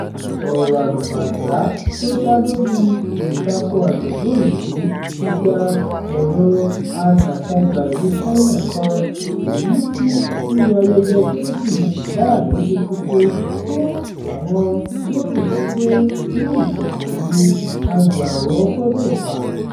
Ọ̀rọ̀ àlùfànṣá tí ó dá lórí ìtako àjọ̀dún Òyìnbó ti gba ẹ̀rọ-alátagbà ìlú China kan, èyí mú kí yíyan ayẹyẹ Kérésìmesì láàyò le koko fún àwọn tí ó rò wípé ní ìkọ̀kọ̀ ni ayọ̀ àwọn gbọdọ̀ wà.